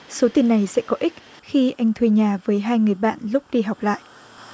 số tiền này sẽ có ích khi anh thuê nhà với hai người bạn lúc đi học lại